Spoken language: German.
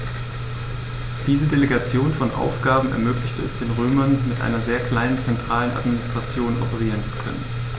Diese Delegation von Aufgaben ermöglichte es den Römern, mit einer sehr kleinen zentralen Administration operieren zu können.